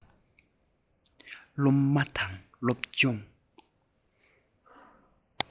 སློབ མ དང སློབ སྦྱོང